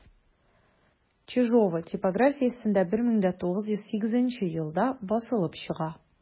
Чижова типографиясендә 1908 елда басылып чыга.